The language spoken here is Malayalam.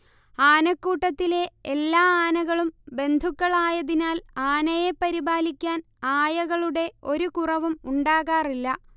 ആനക്കൂട്ടത്തിലെ എല്ലാ ആനകളും ബന്ധുക്കളായതിനാൽ ആനയെ പരിപാലിക്കാൻ ആയകളുടെ ഒരു കുറവും ഉണ്ടാകാറില്ല